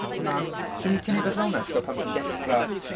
Na, 'swn i'n licio wneud rywbeth fel'na ti'n gwybod, pan ti'n dechrau...